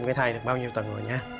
cái thai được bao nhiêu tuần rồi nha